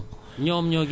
ganaar sax dañ koy assurer